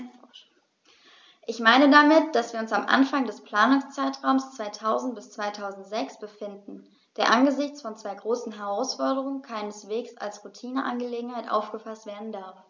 Ich meine damit, dass wir uns am Anfang des Planungszeitraums 2000-2006 befinden, der angesichts von zwei großen Herausforderungen keineswegs als Routineangelegenheit aufgefaßt werden darf.